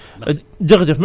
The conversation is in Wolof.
mën na leen jege